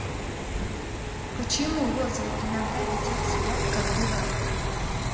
почему роза иногда ведет себя как дурак